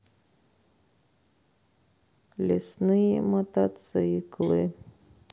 лесные мотоциклы